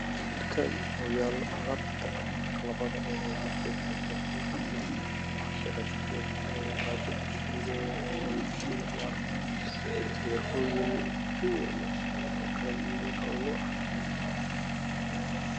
Halkaan waa meel dukaan ah